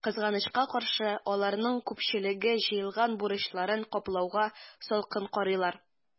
Кызганычка каршы, аларның күпчелеге җыелган бурычларын каплауга салкын карыйлар.